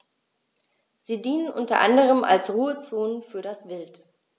Sie dienen unter anderem als Ruhezonen für das Wild.